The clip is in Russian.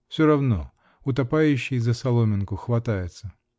Все равно: утопающий за соломинку хватается.